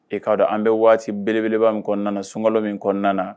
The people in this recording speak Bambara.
E k'a dɔn an bɛ waati beleba min kɔnɔna sunkalo min kɔnɔna